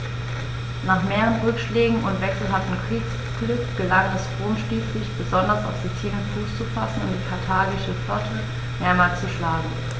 Nach mehreren Rückschlägen und wechselhaftem Kriegsglück gelang es Rom schließlich, besonders auf Sizilien Fuß zu fassen und die karthagische Flotte mehrmals zu schlagen.